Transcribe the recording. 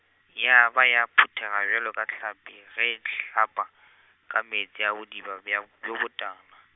ya ba ya phetoga bjalo ka hlapi ge e hlapa, ka meetse a bodiba bja, bjo botala.